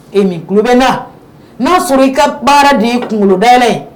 E tulo bɛna n'a sɔrɔ i ka baara de i kunkolodaɛlɛ